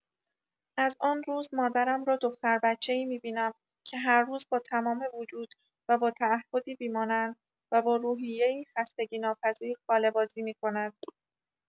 از آن روز مادرم را دختر بچه‌ای می‌بینم که هر روز با تمام وجود و با تعهدی بی‌مانند و با روحیه‌ای خستگی‌ناپذیر خاله‌بازی می‌کند!